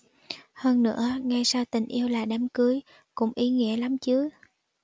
hơn nữa ngay sau tình yêu là đám cưới cũng ý nghĩa lắm chứ